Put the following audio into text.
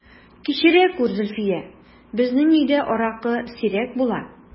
Кичерә күр, Зөлфия, безнең өйдә аракы сирәк була...